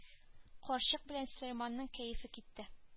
Карчык белән сөләйманның кәефе китте